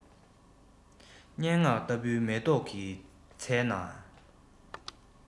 སྙན ངག ལྟ བུའི མེ ཏོག གི ཚལ ནས